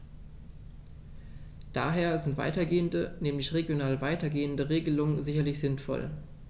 Daher sind weitergehende, nämlich regional weitergehende Regelungen sicherlich sinnvoll.